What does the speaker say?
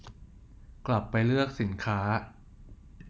กลับไปเลือกสินค้า